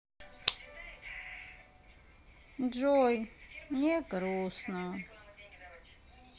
джой мне грустно